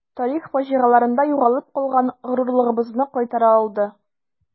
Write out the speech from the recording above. Тарих фаҗигаларында югалып калган горурлыгыбызны кайтара алды.